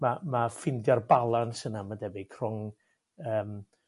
Ma' ma' ffindio'r balans yna ma'n debyg rhwng yym